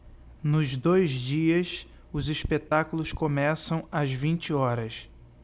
nos dois dias os espetáculos começam às vinte horas